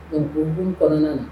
Bonb kɔnɔna na